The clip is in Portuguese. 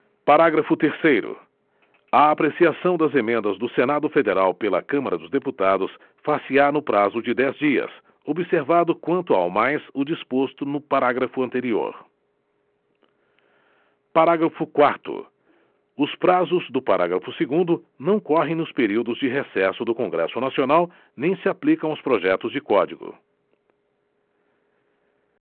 parágrafo terceiro a apreciação das emendas do senado federal pela câmara dos deputados far se á no prazo de dez dias observado quanto ao mais o disposto no parágrafo anterior parágrafo quarto os prazos do parágrafo segundo não correm nos períodos de recesso do congresso nacional nem se aplicam aos projetos de código